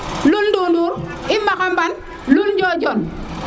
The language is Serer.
Lul Ndundur i mbaxa mban Lul Njojon